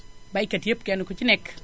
baykat yépp kenn ku ci nekk